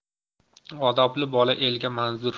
odobli bola elga manzur